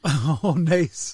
O, neis!